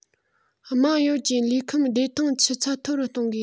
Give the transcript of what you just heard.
དམངས ཡོངས ཀྱི ལུས ཁམས བདེ ཐང ཆུ ཚད མཐོ རུ གཏོང དགོས